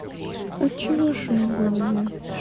отчего шум в голове